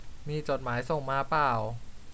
มีจดหมายส่งมาป่าว